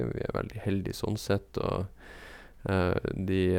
Vi er veldig heldig sånn sett, og de...